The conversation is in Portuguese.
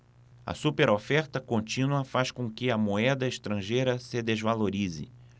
a superoferta contínua faz com que a moeda estrangeira se desvalorize